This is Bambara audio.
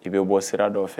I bɛ bɔ sira dɔ fɛ